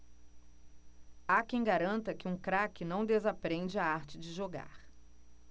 há quem garanta que um craque não desaprende a arte de jogar